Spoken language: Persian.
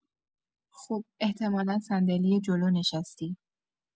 خوب احتمالا صندلی جلو نشستی